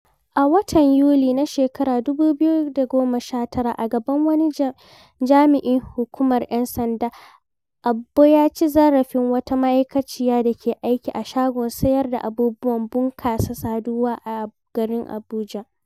A watan Yuli na shekarar 2019 a gaban wani jami'in hukumar 'yan sanda, Abbo ya ci zarafin wata ma'aikaciya da ke aiki a shagon sayar da abubuwan bunƙasa saduwa a garin Abuja.